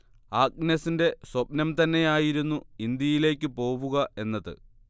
ആഗ്നസിന്റെ സ്വപ്നം തന്നെയായിരുന്നു ഇന്ത്യയിലേക്കു പോവുക എന്നത്